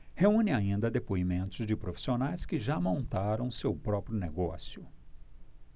reúne ainda depoimentos de profissionais que já montaram seu próprio negócio